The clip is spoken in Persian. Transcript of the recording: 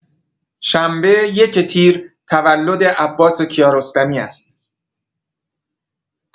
شنبه ۱ تیر تولد عباس کیارستمی است.